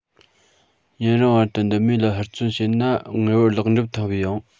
ཡུན རིང བར དུ འདི མུས ལ ཧུར བརྩོན བྱས ན ངེས པར ལེགས འགྲུབ ཐུབ ཡོང